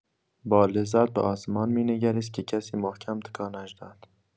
با لذت به آسمان می‌نگریست که کسی محکم تکانش داد.